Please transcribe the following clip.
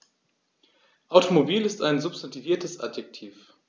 Automobil ist ein substantiviertes Adjektiv.